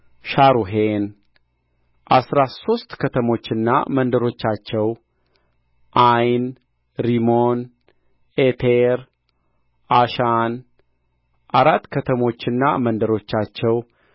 ሻሩሔን አሥራ ሦስት ከተሞችና መንደሮቻቸው ዓይን ሪሞን ዔቴር አሻን አራት ከተሞችና መንደሮቻቸው